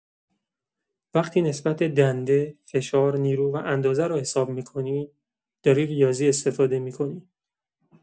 وقتی نسبت دنده، فشار، نیرو و اندازه رو حساب می‌کنی، داری ریاضی استفاده می‌کنی.